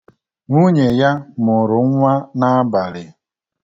Nwunye ya mụrụ nnwa n'abalị.